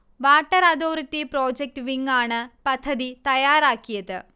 water authority project wing ആണ് പദ്ധതി തയ്യാറാക്കിയത്